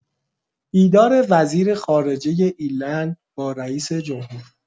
دیدار وزیر خارجه ایرلند با رئیس‌جمهور